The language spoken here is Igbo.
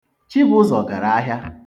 Chibụzọ gara ahịa.